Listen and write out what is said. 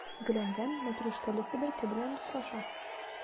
Гөләндәм мәтрүшкәле себерке белән дуслаша.